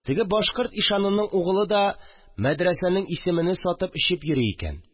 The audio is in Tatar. Теге башкорт ишаның угылы да мәдрәсәнең исемене сатып эчеп йөри икән